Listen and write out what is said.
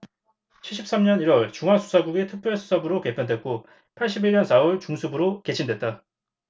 칠십 삼 년 일 월 중앙수사국이 특별수사부로 개편됐고 팔십 일 년 사 월 중수부로 개칭됐다